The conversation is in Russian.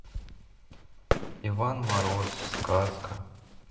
иван мороз сказка